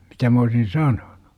mitä minä olisin sanonut